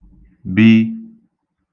b